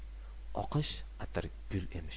oqish pushtigul emish